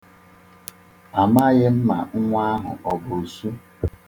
Amaghị m ma nwa ahụ ọ bụ osu.